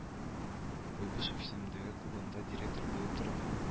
Куйбышев исемендәге клубында директор булып торды